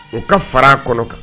U ka fara kɔnɔ kan